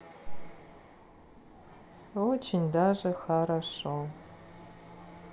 очень даже хорошо